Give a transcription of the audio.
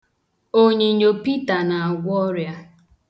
Onyinyo Pita na-agwọ ọrịa.